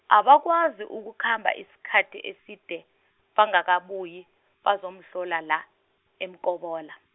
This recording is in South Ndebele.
abakwazi ukukhamba isikhathi eside, bangakabuyi, bazomhlola la, eMkobola.